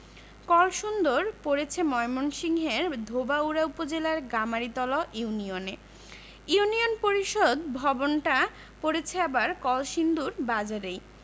কলসিন্দুর পড়েছে ময়মনসিংহের ধোবাউড়া উপজেলার গামারিতলা ইউনিয়নে ইউনিয়ন পরিষদ ভবনটা পড়েছে আবার কলসিন্দুর বাজারেই